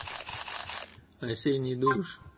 осенний душ